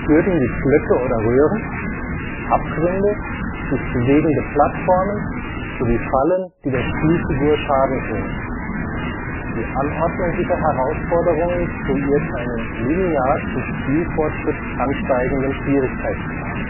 Hürden wie Blöcke oder Röhren, Abgründe, sich bewegende Plattformen sowie Fallen, die der Spielfigur schaden können. Die Anordnung dieser Herausforderungen kreiert einen linear zum Spielfortschritt ansteigenden Schwierigkeitsgrad